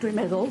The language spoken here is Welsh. Dwi'n meddwl.